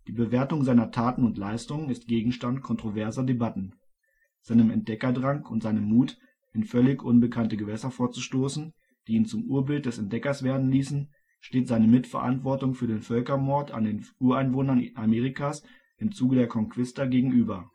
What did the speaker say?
Bewertung seiner Taten und Leistungen ist Gegenstand kontroverser Debatten. Seinem Entdeckerdrang und seinem Mut, in völlig unbekannte Gewässer vorzustoßen, die ihn zum Urbild des Entdeckers werden ließen, steht seine Mitverantwortung für den Völkermord an den Ureinwohnern Amerikas im Zuge der Konquista gegenüber